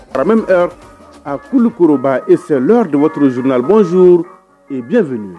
A a kuli koroba ese damatouru zurunnalibzo bif